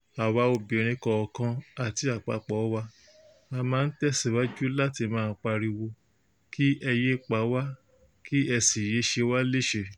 Àwa obìnrin lọ́kọ̀ọ̀kan àti àpapọ̀ọ wa, a máa tẹ̀síwajú láti máa pariwo kí "ẹ yéé pa wá" kí ẹ sì "yéé ṣe wá léṣe".